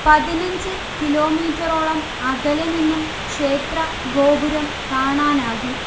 പതിനഞ്ച് കിലോമീറ്ററോളം അകലെ നിന്നും ക്ഷേത്ര ഗോപുരം കാണാനാകും